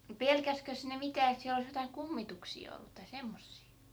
pelkäsikös ne mitään että siellä olisi jotakin kummituksia ollut tai semmoisia